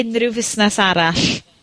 ...unryw fusnes arall?